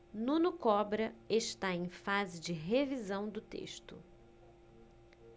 nuno cobra está em fase de revisão do texto